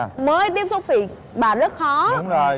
mới tiếp xúc thì bà rất khó